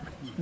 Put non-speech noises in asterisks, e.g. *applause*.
*hesitation*